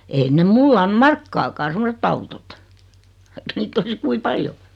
ei ne minulle anna markkaakaan semmoiset autot vaikka niitä olisi kuinka paljon